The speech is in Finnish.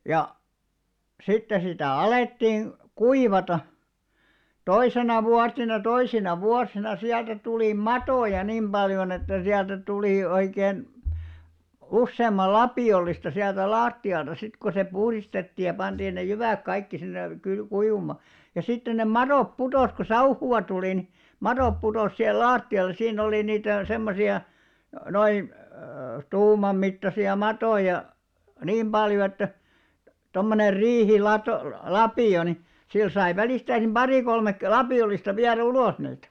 ja sitten sitä alettiin kuivata toisena vuotena toisina vuosina sieltä tuli matoja niin paljon että sieltä tuli oikein useamman lapiollista sieltä lattialta sitten kun se puhdistettiin ja pantiin ne jyvät kaikki sinne - kuivumaan ja sitten ne madot putosi kun sauhua tuli niin madot putosi siihen lattialle siinä oli niitä semmoisia noin tuumanmittaisia matoja niin paljon että tuommoinen - riihilatolapio niin sillä sai välistä pari - lapiollista viedä ulos niitä